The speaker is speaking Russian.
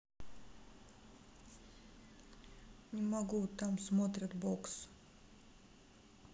не могу там смотрят бокс